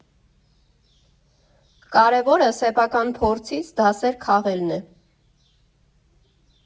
Կարևորը՝ սեփական փորձից դասեր քաղելն է։